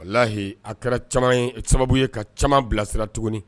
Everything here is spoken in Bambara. Walahi a kɛra caman ye sababu ye ka caman bilasira tuguni